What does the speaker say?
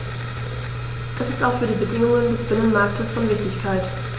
Das ist auch für die Bedingungen des Binnenmarktes von Wichtigkeit.